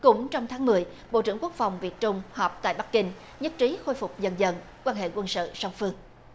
cũng trong tháng mười bộ trưởng quốc phòng việt trung họp tại bắc kinh nhất trí khôi phục dần dần quan hệ quân sự song phương